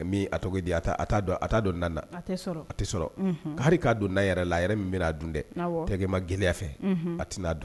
Tɔgɔ di a a' don na a a tɛ ka'a don' yɛrɛ la a yɛrɛ min a dun dɛ tɛgɛ ma gɛlɛya fɛ a tɛna n'a don